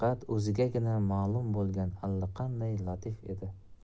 bo'lgan allaqanday latif edi